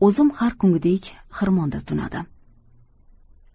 o'zim har kungidek xirmonda tunadim